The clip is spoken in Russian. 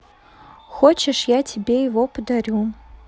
хочешь я тебе его подарю